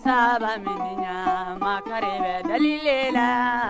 sabaminiyan makari bɛ deli le la